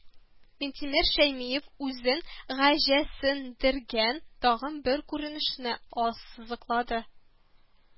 Минтимер Шәймиев үзен гаҗәсендергән тагын бер күренешне ассызыклады